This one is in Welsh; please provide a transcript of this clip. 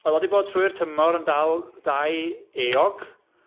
Oedd o 'di bod drwy'r tymor yn dal dau eog...